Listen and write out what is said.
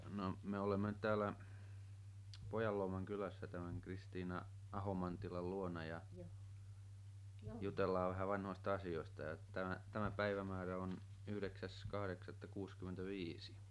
no me olemme nyt täällä Pojanluoman kylässä tämän Kristiina Ahomantilan luona ja jutellaan vähän vanhoista asioista ja tämä tämä päivämäärä on yhdeksäs kahdeksatta kuusikymmentäviisi